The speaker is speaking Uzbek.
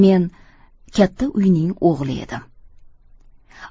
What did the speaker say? men katta uyning o'g'li edim